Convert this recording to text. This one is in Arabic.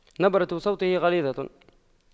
نبرة صوته غليظة